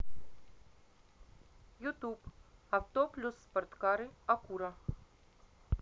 ютуб авто плюс спорткары акура